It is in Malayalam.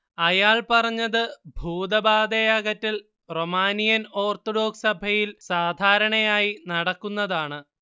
അയാൾ പറഞ്ഞത് ഭൂതബാധയകറ്റൽ റൊമാനിയൻ ഓർത്തഡോക്സ് സഭയിൽ സാധാരണയായി നടക്കുന്നതാണ്